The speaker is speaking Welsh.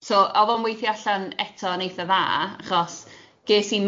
So oedd o'n weithio allan eto yn eitha' dda, achos ges i